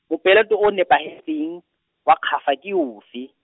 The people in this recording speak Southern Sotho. mopeleto o nepahetseng, wa kgafa ke ofe?